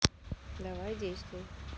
давай действуй